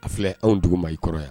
A filɛ anw dugu ma i kɔrɔ yan